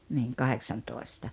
niin kahdeksantoista